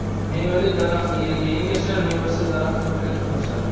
mevali daraxt yerga engashar mevasiz daraxt ko'kka tirmashar